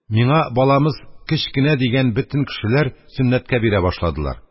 Миңа «баламыз кечкенә» дигән бөтен кешеләр сөннәткә бирә башладылар.